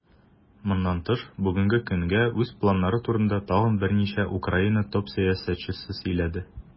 Моннан тыш, бүгенге көнгә үз планнары турында тагын берничә Украина топ-сәясәтчесе сөйләде.